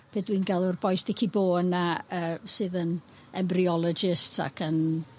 be' dwi'n galw'r bois dici-bo yna yy sydd yn embryologists ac yn